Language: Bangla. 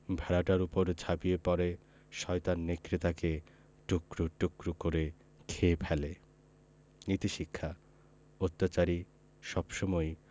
ভেড়াটার উপর ঝাঁপিয়ে পড়ে শয়তান নেকড়ে তাকে টুকরো টুকরো করে খেয়ে ফেলে নীতিশিক্ষা অত্যাচারী সবসময়ই